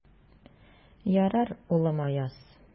Ярар, улым, Аяз.